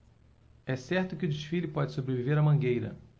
é certo que o desfile pode sobreviver à mangueira